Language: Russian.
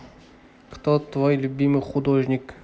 кто твой любимый художник